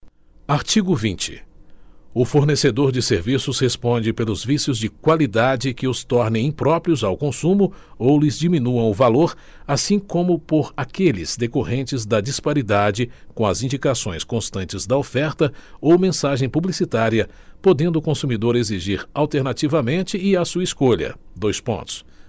artigo vinte o fornecedor de serviços responde pelos vícios de qualidade que os tornem impróprios ao consumo ou lhes diminuam o valor assim como por aqueles decorrentes da disparidade com as indicações constantes da oferta ou mensagem publicitária podendo o consumidor exigir alternativamente e à sua escolha dois pontos